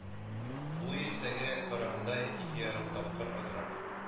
Бу иректәге караганда ике ярым тапкыр азрак